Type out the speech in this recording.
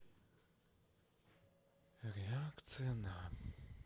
реакция на